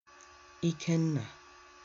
Ikennà